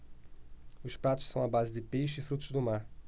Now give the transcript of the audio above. os pratos são à base de peixe e frutos do mar